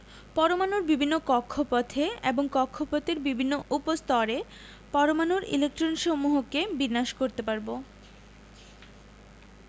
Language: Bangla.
পরমাণুর বিভিন্ন কক্ষপথে এবং কক্ষপথের বিভিন্ন উপস্তরে পরমাণুর ইলেকট্রনসমূহকে বিন্যাস করতে পারব